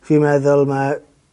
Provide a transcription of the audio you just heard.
fi'n meddwl ma'